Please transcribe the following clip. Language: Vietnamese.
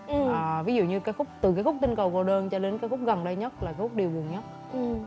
à ví dụ như ca khúc từ ca khúc tinh cầu cô đơn cho đến ca khúc gần đây nhất là ca khúc điều buồn nhất